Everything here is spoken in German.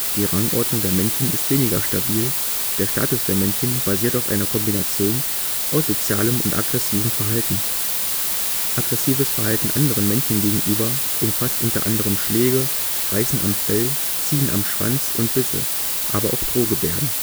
Die Rangordnung der Männchen ist weniger stabil, der Status der Männchen basiert auf einer Kombination aus sozialem und aggressivem Verhalten. Aggressives Verhalten anderen Männchen gegenüber umfasst unter anderem Schläge, Reißen am Fell, Ziehen am Schwanz und Bisse, aber auch Drohgebärden